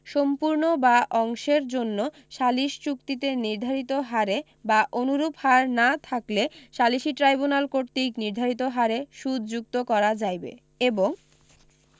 সম্পূর্ণ বা অংশের জন্য সালিস চুক্তিতে নির্ধারিত হারে বা অনুরূপ হার না থাকলে সালিসী ট্রাইব্যুনাল কর্তৃক নির্ধারিত হারে সুদ যুক্ত করা যাইবে এবং